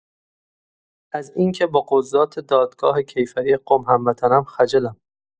از اینکه با قضات دادگاه کیفری قم هموطنم خجلم!